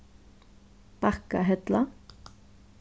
bakkahella